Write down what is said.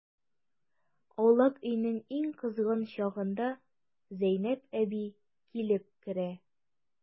Аулак өйнең иң кызган чагында Зәйнәп әби килеп керә.